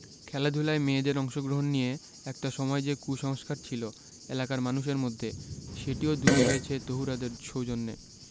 খেলাধুলায় মেয়েদের অংশগ্রহণ নিয়ে একটা সময় যে কুসংস্কার ছিল এলাকার মানুষের মধ্যে সেটিও দূর হয়েছে তহুরাদের সৌজন্যে